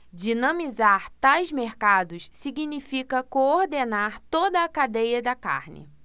dinamizar tais mercados significa coordenar toda a cadeia da carne